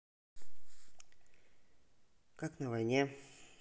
как на войне